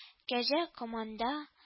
Кәҗә команда